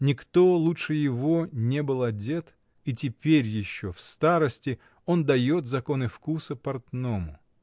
Никто лучше его не был одет, и теперь еще, в старости, он дает законы вкуса портному